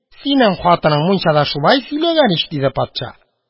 Синең хатының мунчада шулай сөйләгән ич! – диде патша.